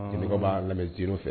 Jinɛ b'a lamɛni fɛ